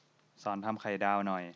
สอนทำไข่ดาวหน่อย